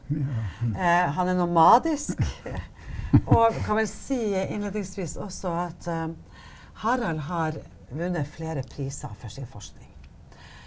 han er nomadisk og kan vel si innledningsvis også at Harald har vunnet flere priser for sin forskning.